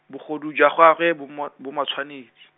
bogodu jwa gagwe bo ma-, bo matshwanedi.